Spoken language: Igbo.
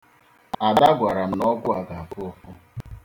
Ada gwara m na ọgwụ a ga-afụ ụfụ.